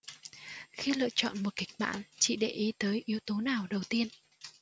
khi lựa chọn một kịch bản chị để ý tới yếu tố nào đầu tiên